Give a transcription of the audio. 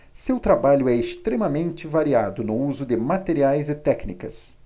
seu trabalho é extremamente variado no uso de materiais e técnicas